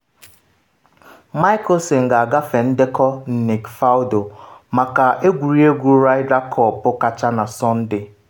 Mickelson ga-agafe ndekọ Nick Faldo maka egwuregwu Ryder Cup kacha na Sọnde.